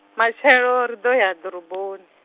matshelo ri ḓo ya, ḓoroboni.